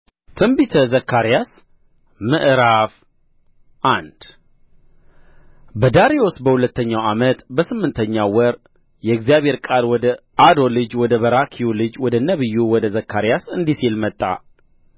ትንቢተ ዘካርያስ ምዕራፍ አንድ በዳርዮስ በሁለተኛው ዓመት በስምንተኛው ወር የእግዚአብሔር ቃል ወደ አዶ ልጅ ወደ በራክዩ ልጅ ወደ ነቢዩ ወደ ዘካርያስ እንዲህ ሲል መጣ